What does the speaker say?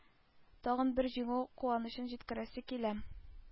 Тагын бер җиңү-куанычын җиткерәсе килә.